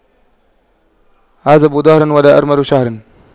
أعزب دهر ولا أرمل شهر